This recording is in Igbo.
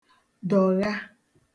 dọ̀gha